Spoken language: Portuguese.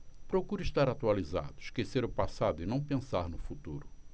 procuro estar atualizado esquecer o passado e não pensar no futuro